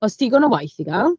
Oes digon o waith i gael?